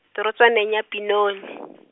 torotswaneng ya Benoni.